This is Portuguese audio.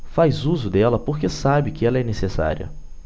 faz uso dela porque sabe que ela é necessária